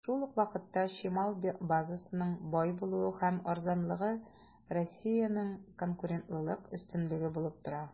Шул ук вакытта, чимал базасының бай булуы һәм арзанлыгы Россиянең конкурентлык өстенлеге булып тора.